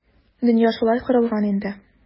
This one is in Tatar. Дөнья шулай корылган инде.